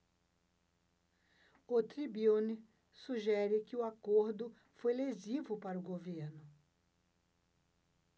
o tribune sugere que o acordo foi lesivo para o governo